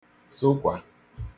sokwa